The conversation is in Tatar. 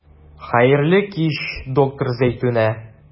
Хәерле кич, доктор Зәйтүнә.